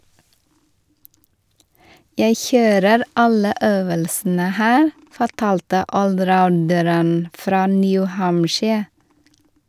- Jeg kjører alle øvelsene her, fortalte allrounderen fra New Hampshire.